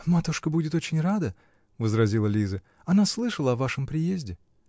-- Матушка будет очень рада, -- возразила Лиза, -- она слышала о вашем приезде.